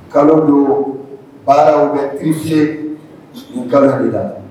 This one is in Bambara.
Kalo don baaraw bɛ kisi kalan de la